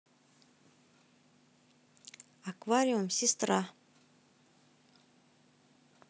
аквариум сестра